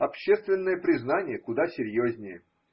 общественное признание куда серьезнее.